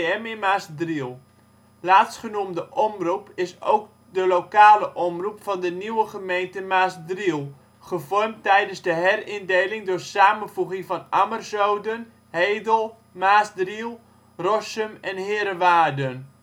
en RTM (Maasdriel). Laatstgenoemde omroep is ook de lokale omroep van de nieuwe gemeente Maasdriel, gevormd tijdens de herindeling door samenvoeging van Ammerzoden, Hedel, Maasdriel, Rossum en Heerewaarden